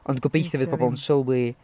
Ond gobeithio fydd pobl yn sylwi...